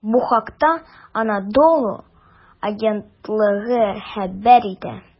Бу хакта "Анадолу" агентлыгы хәбәр итә.